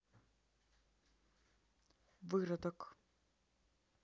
выродок